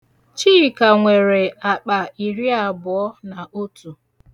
Chika nwere akpa iriabụọ na otu.